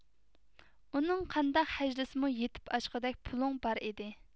ئۇنىڭ قانداق خەجلىسىمۇ يېتىپ ئاشقۇدەك پۇلۇڭ بار ئىدى